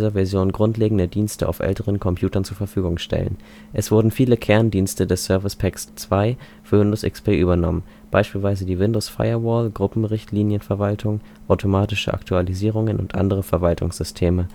Version grundlegende Dienste auf älteren Computern zur Verfügung stellen. Es wurden viele Kerndienste des Service Packs 2 für Windows XP übernommen, beispielsweise die Windows-Firewall, Gruppenrichtlinienverwaltung, automatische Aktualisierungen und andere Verwaltungssysteme